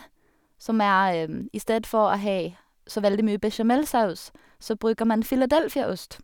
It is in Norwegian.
som er I stedet for å ha så veldig mye bechamelsaus, så bruker man Philadelphia-ost.